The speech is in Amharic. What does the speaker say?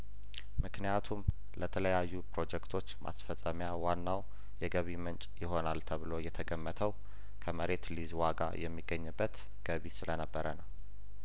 ምክንያቱም ለተለያዩ ፕሮጀክቶች ማስፈጸሚያ ዋናው የገቢ ምንጭ ይሆናል ተብሎ የተገመተው ከመሬት ሊዝ ዋጋ የሚገኝበት ገቢ ስለነበር ነው